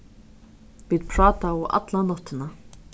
vit prátaðu alla náttina